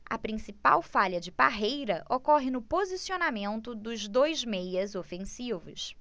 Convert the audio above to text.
a principal falha de parreira ocorre no posicionamento dos dois meias ofensivos